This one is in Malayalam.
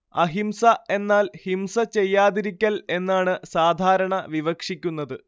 അഹിംസ എന്നാൽ ഹിംസ ചെയ്യാതിരിക്കൽ എന്നാണ് സാധാരണ വിവക്ഷിക്കുന്നത്